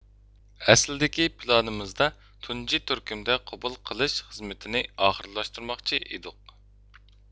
ئەسلىدىكى پىلانىمىزدا تۇنجى تۈركۈمدە قوبۇل قىلىش خىزمىتىنى ئاخىرلاشتۇرماقچى ئىدۇق